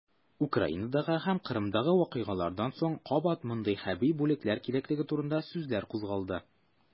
Украинадагы һәм Кырымдагы вакыйгалардан соң кабат мондый хәрби бүлекләр кирәклеге турында сүзләр кузгалды.